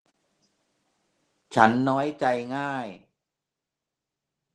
ฉันน้อยใจง่าย